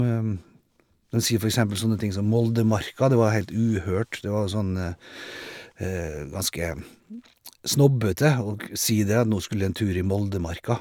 Dem sier for eksempel sånne ting som Moldemarka, det var heilt uhørt, det var sånn ganske snobbete å g si det, nå skulle jeg en tur i Moldemarka.